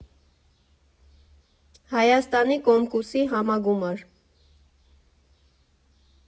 Հայաստանի Կոմկուսի համագումար։